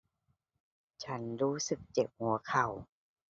ฉันรู้สึกเจ็บหัวเข่า